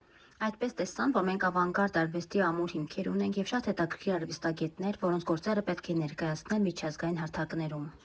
Այդպես տեսան, որ մենք ավանգարդ արվեստի ամուր հիմքեր ունենք և շատ հետաքրքիր արվեստագետներ, որոնց գործերը պետք է ներկայացնել միջազգային հարթակներում»։